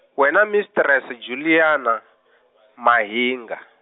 wena mistrese Juliana, Mahinga.